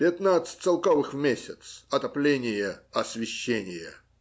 пятнадцать целковых в месяц, отопление, освещение.